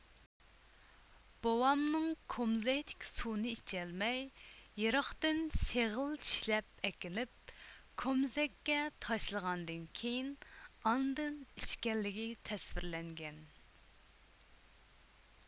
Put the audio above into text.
بوۋامنىڭ كومزەكتىكى سۇنى ئىچەلمەي يىراقتىن شېغىل چىشلەپ ئەكىلىپ كومزەككە تاشلىغاندىن كېيىن ئاندىن ئىچكەنلىكى تەسۋىرلەنگەن